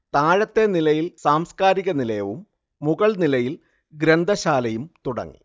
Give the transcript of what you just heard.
താഴത്തെ നിലയിൽ സാംസ്കാരിക നിലയവും മുകൾനിലയിൽ ഗ്രന്ഥശാലയും തുടങ്ങി